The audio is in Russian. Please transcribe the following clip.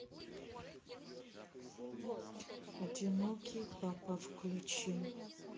одинокий папа включи